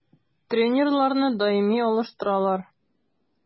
Тренерларны даими алыштыралар.